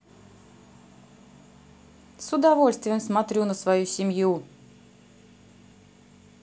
с удовольствием смотрю на свою семью